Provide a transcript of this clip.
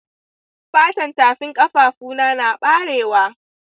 fatar tafin ƙafafuna na barewa.